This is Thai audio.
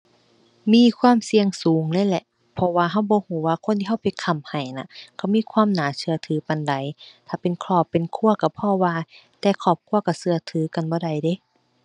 มีความเสี่ยงสูงเลยแหละ เพราะว่าเราบ่เราว่าคนที่เราไปค้ำให้น่ะเขามีความน่าเชื่อถือปานใด ถ้าเป็นครอบเป็นครัวเราพอว่า แต่ครอบครัวเราเราถือกันบ่ได้เดะ